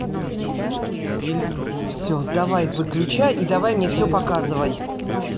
все давай выключай и давай мне все показывай